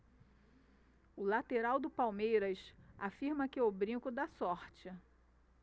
o lateral do palmeiras afirma que o brinco dá sorte